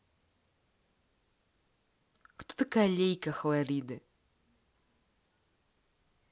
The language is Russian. кто такая лейка хлориде